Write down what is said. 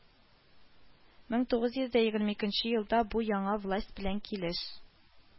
Мең тугыз йөз дә егерме икенче елда ул яңа власть белән килеш